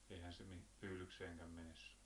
eihän se - pyydykseenkään mene suinkaan